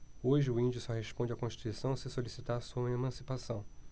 hoje o índio só responde à constituição se solicitar sua emancipação